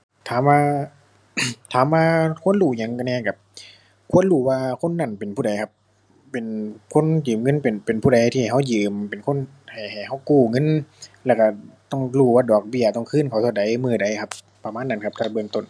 ถามว่า ถามว่าควรรู้หยังก็แหน่ก็ ควรรู้ว่าคนนั้นเป็นผู้ใดครับ เป็นคนยืมเงิน เป็น เป็น เป็นผู้ใดที่ให้ก็ยืม เป็นคนให้ให้ก็กู้เงิน แล้วก็ต้องรู้ว่าดอกเบี้ยต้องคืนเขาเท่าใด มื้อใดครับ ประมาณนั้นครับ ถ้าเบื้องต้น